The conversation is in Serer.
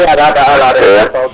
iyo